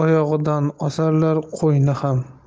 oyog'idan osarlar qo'yni ham